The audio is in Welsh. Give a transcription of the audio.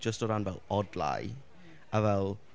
Jyst o ran fel odlau a fel...